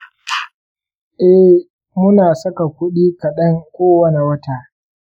eh, muna saka kuɗi kaɗan kowani wata.